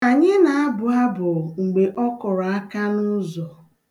Anyị na-abụ abụ mgbe ọ kụrụ aka n'ụzọ.